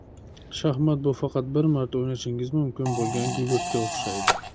shaxmat bu faqat bir marta o'ynashingiz mumkin bo'lgan gugurtga o'xshaydi